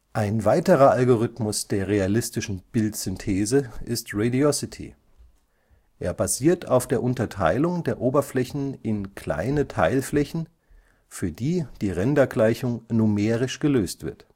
Ein weiterer Algorithmus der realistischen Bildsynthese ist Radiosity. Er basiert auf der Unterteilung der Oberflächen in kleine Teilflächen, für die die Rendergleichung numerisch gelöst wird